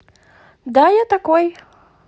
да я такой